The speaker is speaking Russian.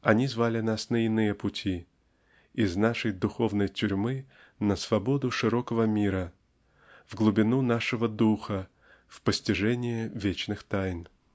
Они звали нас на иные пути--из нашей духовной тюрьмы на свободу широкого мира в глубину нашего духа в постижение верных тайн.